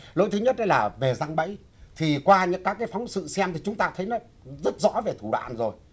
lỗi thứ nhất đấy là về giăng bẫy thì qua những các cái phóng sự xem chúng ta thấy nó rất rõ về thủ đoạn rồi